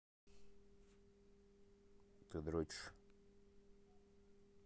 ты дрочишь